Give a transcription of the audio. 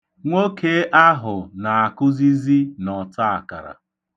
Nwoke ahụ na-akụzi n'ọtaakara.